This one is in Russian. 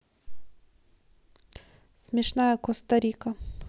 смешная коста рика